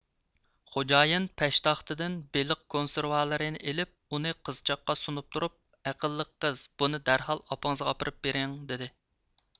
خوجايىن پەشتاختىدىن بېلىق كونسېرۋالىرىنى ئېلىپ ئۇنى قىزچاققا سۇنۇپ تۇرۇپ ئەقىللىق قىز بۇنى دەرھال ئاپىڭىزغا ئاپىرىپ بېرىڭ دېدى